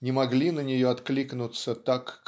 не могли на нее откликнуться так